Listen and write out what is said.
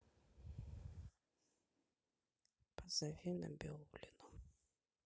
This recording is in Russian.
позови набиуллину